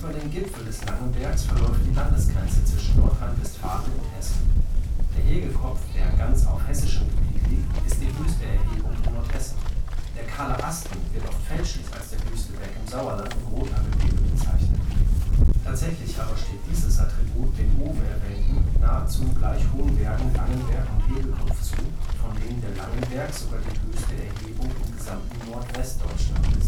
den Gipfel des Langenbergs verläuft die Landesgrenze zwischen Nordrhein-Westfalen und Hessen. Der Hegekopf, der ganz auf hessischem Gebiet liegt, ist die höchste Erhebung in Nordhessen. Der Kahle Asten wird oft fälschlich als der höchste Berg im Sauerland und Rothaargebirge bezeichnet. Tatsächlich aber steht dieses Attribut den oben erwähnten, nahezu gleich hohen Bergen Langenberg und Hegekopf zu, von denen der Langenberg sogar die höchste Erhebung im gesamten Nordwestdeutschland